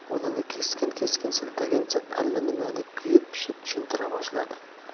qo'lini keskin keskin siltagancha allanimani kuyib pishib tushuntira boshladi